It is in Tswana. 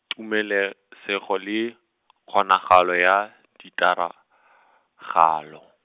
Tumelesego le, kgonagalo ya, ditiragalo.